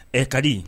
Ɛ ka di